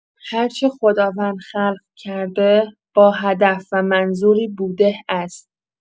هرچه خداوند خلق کرده، با هدف و منظوری بوده است.